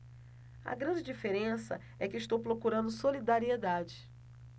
a grande diferença é que eu estou procurando solidariedade